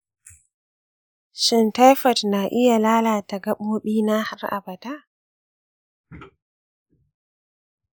shin taifoid na iya lalata gabobina har abada?